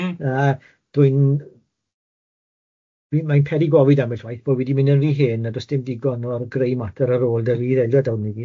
Yy dwi'n, fi mae'n peri gofid ambell waith bo' fi di mynd yn rhy hen a does dim digon o'r grey matter ar ôl da fi ddeud o dawn ni gyd.